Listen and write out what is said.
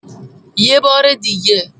یه باره دیگه